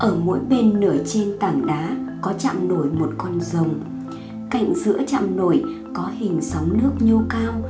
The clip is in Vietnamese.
ở mỗi bên nửa trên tảng đá có trạm nổi một con rồng cạnh giữa chạm nổi có hình sóng nước nhô cao